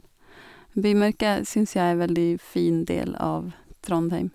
Bymarka syns jeg er veldig fin del av Trondheim.